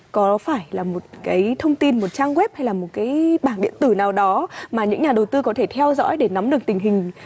có phải là một cái thông tin một trang quét hay là một cái bảng điện tử nào đó mà những nhà đầu tư có thể theo dõi để nắm được tình hình